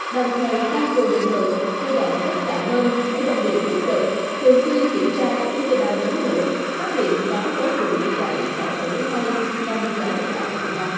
đồng thời tăng cường lực lượng huy động các trạm bơm máy bơm điện túc trực thường xuyên kiểm tra các tuyến đê bao chống lũ phát hiện có dấu hiệu nước chảy sẽ xử lý ngay nhằm giảm thiệt hại cho bà con